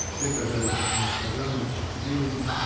все казались несказанно счастливыми